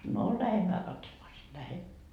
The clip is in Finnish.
no lähdemme katsomaan - lähden